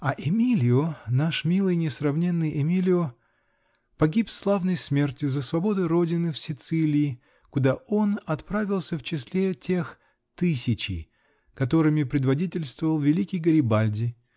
"А Эмилио, наш милый, несравненный Эмилио -- погиб славной смертью за свободу родины, в Сицилии, куда он отправился в числе тех "Тысячи", которыми предводительствовал великий Гарибальди